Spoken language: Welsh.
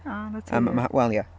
A 'na ti ie ....A ma- wel 'ma, ie.